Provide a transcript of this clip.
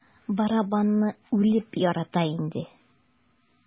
Барабанны үлеп ярата иде инде.